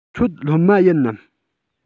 ཁྱོད སློབ མ ཡིན ནམ